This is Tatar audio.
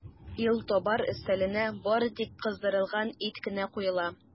Илтабар өстәленә бары тик кыздырылган ит кенә куела.